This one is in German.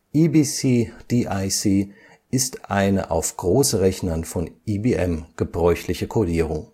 EBCDIC ist eine auf Großrechnern von IBM gebräuchliche Codierung